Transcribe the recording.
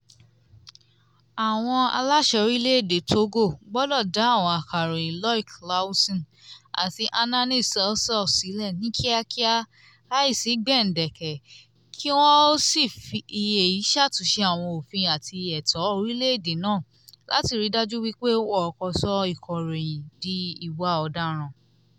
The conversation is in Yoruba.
Àwọn aláṣẹ orílẹ̀ èdè Togo gbọ́dọ̀ dá àwọn akọ̀ròyìn Loic Lawson àti Anani Sossou sílẹ̀ ní kíákíá láìsí gbèǹdéke, kí wọ́n ó sì fi èyí ṣàtúnṣe àwọn òfin àti ètò orílẹ̀ èdè náà láti ríi dájú wípé wọn kò sọ ìkọ̀ròyìn di ìwà ọdaràn.